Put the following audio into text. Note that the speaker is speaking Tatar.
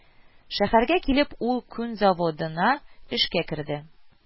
Шәһәргә килеп, ул күн заводына эшкә керде